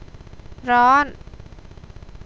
ร้อน